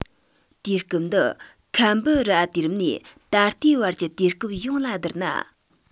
དུས སྐབས འདི ཁམ སྦི རི ཨ དུས རིམ ནས ད ལྟའི བར གྱི དུས སྐབས ཡོངས ལ བསྡུར ན